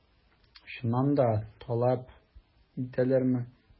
Чыннан да таләп итәләрме?